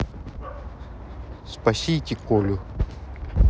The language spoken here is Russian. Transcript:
спасите колю